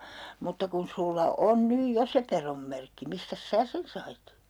mutta kun sinulla on nyt jo se pedonmerkki mistäs sinä sen sait